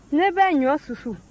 ne bɛ ɲɔ susu